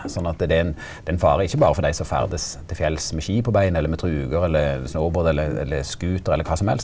sånn at det er ein det er ein fare ikkje berre for dei som ferdast til fjells med ski på beina eller med truger eller snowboard eller eller skuter eller kva som helst.